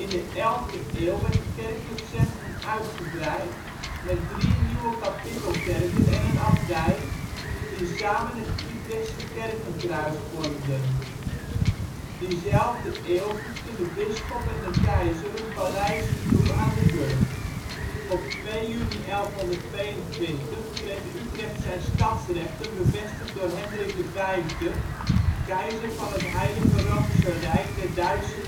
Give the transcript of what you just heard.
de elfde eeuw werd het kerkelijk centrum uitgebreid met drie nieuwe kapittelkerken en een abdij, die samen het Utrechtse kerkenkruis vormden. Diezelfde eeuw voegden de bisschop en de keizer hun paleizen toe aan de burcht. Oorkonde van 2 juni 1122 met bevestiging door keizer Hendrik V van het door de Utrechtse bisschop Godebald aan Utrecht verleende stadsrecht Op 2 juni 1122 kreeg Utrecht zijn stadsrechten bevestigd door Hendrik V, keizer van het Heilige Roomse Rijk der Duitse